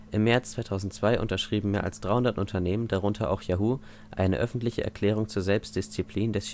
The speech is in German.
Im März 2002 unterschrieben mehr als 300 Unternehmen, darunter auch Yahoo, eine „ Öffentliche Erklärung zur Selbstdisziplin “des